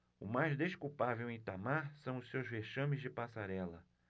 o mais desculpável em itamar são os seus vexames de passarela